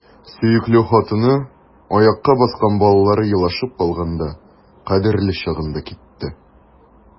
Сөекле хатыны, аякка баскан балалары елашып калганда — кадерле чагында китте!